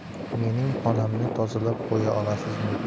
mening xonamni tozalab qo'ya olasizmi